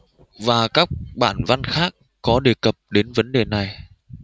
và các bản văn khác có đề cập đến vấn đề này